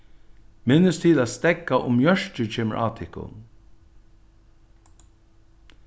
minnist til at steðga um mjørki kemur á tykkum